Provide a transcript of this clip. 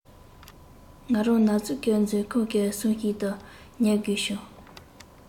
ང རང ན ཟུག གིས མཛོད ཁང གི ཟུར ཞིག ཏུ ཉལ དགོས བྱུང